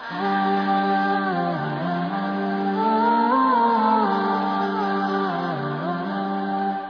San